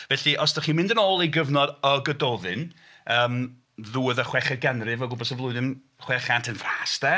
Felly os dach chi'n mynd yn ôl i gyfnod y Gododdin yym ddiwedd y chweched ganrif, o gwympas y flwyddyn chwe chant yn fras de.